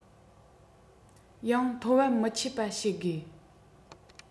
ཡང ཐོན འབབ མི ཆག པ བྱེད དགོས